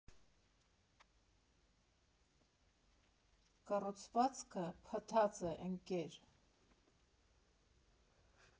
«Կառուցվածքը փտած է, ընկեր»